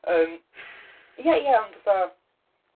Yym, ie ie, ond fatha...